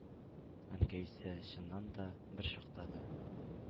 Әнкәй исә, чыннан да, берчакта да